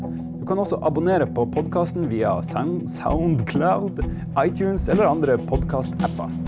du kan også abonnere på podkasten via Soundcloud itunes eller andre podkastapper.